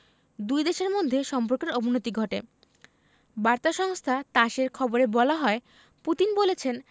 দুই দেশের মধ্যে সম্পর্কের অবনতি ঘটে বার্তা সংস্থা তাস এর খবরে বলা হয় পুতিন বলেছেন